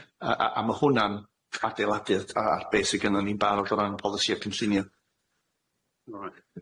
A a a ma' hwnna'n adeiladu'r a- a'r beth sy gynnon ni'n barod o ran y polisia cynllunio.